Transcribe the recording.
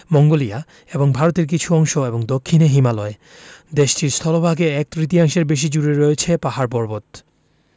Mongolia এবং ভারতের কিছু অংশ এবং দক্ষিনে হিমালয় দেশটির স্থলভাগে এক তৃতীয়াংশের বেশি জুড়ে রয়ছে পাহাড় পর্বত